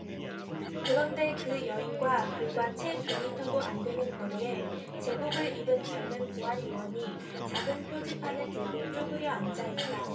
그런데 그 여인과 불과 채 두 미터도 안 되는 거리에 제복을 입은 젊은 보안 요원이 작은 표지판을 들고 쪼그려 앉아 있다